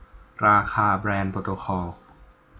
ราคาแบรนด์โปรโตคอล